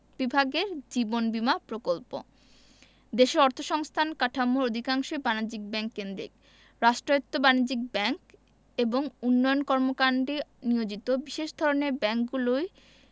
বিভাগের জীবন বীমা প্রকল্প দেশের অর্থসংস্থান কাঠামোর অধিকাংশই বাণিজ্যিক ব্যাংক কেন্দ্রিক রাষ্ট্রায়ত্ত বাণিজ্যিক ব্যাংক এবং উন্নয়ন কর্মকান্ডে নিয়োজিত বিশেষ ধরনের ব্যাংকগুলোই